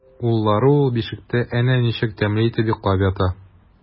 Уллары ул бишектә әнә ничек тәмле итеп йоклап ята!